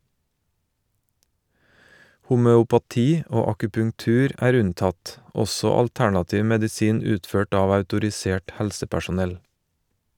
Homøopati og akupunktur er unntatt, også alternativ medisin utført av autorisert helsepersonell.